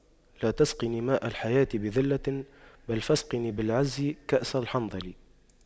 لا تسقني ماء الحياة بذلة بل فاسقني بالعز كأس الحنظل